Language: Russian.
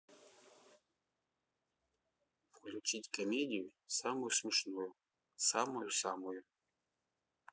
включить комедию самую смешную самую самую